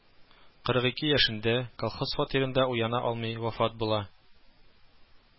Кырык ике яшендә колхоз фатирында уяна алмый вафат була